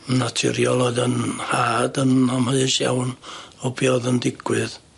Yn naturiol oedd 'yn nhad yn amheus iawn o be' o'dd yn digwydd.